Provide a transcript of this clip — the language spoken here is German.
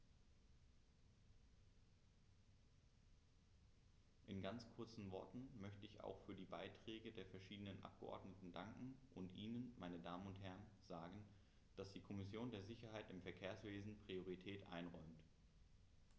In ganz kurzen Worten möchte ich auch für die Beiträge der verschiedenen Abgeordneten danken und Ihnen, meine Damen und Herren, sagen, dass die Kommission der Sicherheit im Verkehrswesen Priorität einräumt.